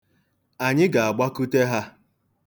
Anyị ga-agbakwute ha.